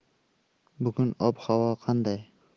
bugun ob havo qanday